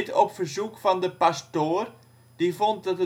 op verzoek van de pastoor, die vond dat